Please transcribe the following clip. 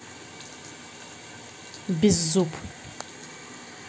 беззуб